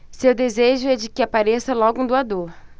seu desejo é de que apareça logo um doador